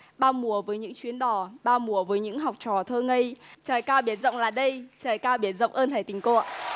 bao mùa với những chuyến đò bao mùa với những học trò thơ ngây trời cao biển rộng là đây trời cao biển rộng ơn thầy tình cô ạ